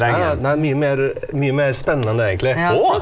nei nei nei mye mer mye mer spennende enn det egentlig.